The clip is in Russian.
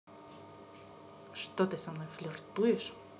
что ты со мной флиртуешь